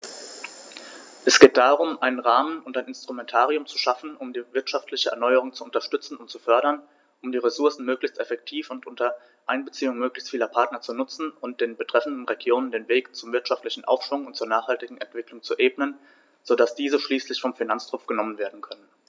Es geht darum, einen Rahmen und ein Instrumentarium zu schaffen, um die wirtschaftliche Erneuerung zu unterstützen und zu fördern, um die Ressourcen möglichst effektiv und unter Einbeziehung möglichst vieler Partner zu nutzen und den betreffenden Regionen den Weg zum wirtschaftlichen Aufschwung und zur nachhaltigen Entwicklung zu ebnen, so dass diese schließlich vom Finanztropf genommen werden können.